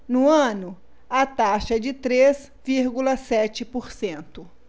no ano a taxa é de três vírgula sete por cento